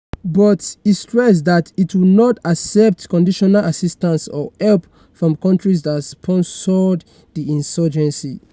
But he stressed that it would not accept conditional assistance or help from countries that sponsored the insurgency.